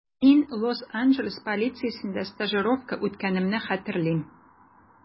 Мин Лос-Анджелес полициясендә стажировка үткәнемне хәтерлим.